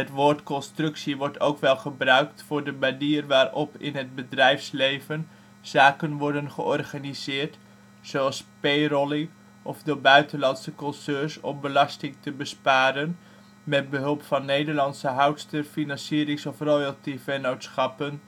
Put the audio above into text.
woord constructie wordt ook wel gebruikt voor de manier waarin in het bedrijfsleven zaken worden georganiseerd, zoals payrolling of door buitenlandse concerns, om belasting te besparen, met behulp van nederlandse houdster -, financierings - of royalty-vennootschappen